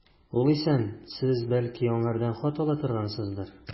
Ул исән, сез, бәлки, аңардан хат ала торгансыздыр.